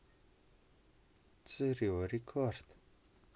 cirio рекорд